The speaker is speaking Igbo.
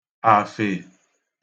àfè